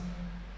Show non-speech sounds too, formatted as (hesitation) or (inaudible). (hesitation) (hesitation)